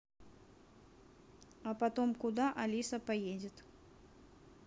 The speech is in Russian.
а потом куда алиса поедет